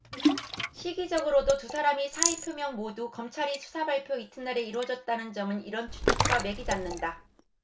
시기적으로도 두 사람의 사의 표명 모두 검찰의 수사발표 이튿날에 이뤄졌다는 점은 이런 추측과 맥이 닿는다